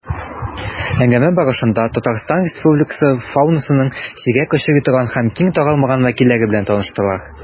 Әңгәмә барышында Татарстан Республикасы фаунасының сирәк очрый торган һәм киң таралмаган вәкилләре белән таныштылар.